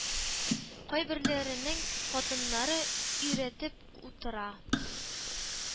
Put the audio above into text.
Кайберләренең хатыннары өйрәтеп утыра.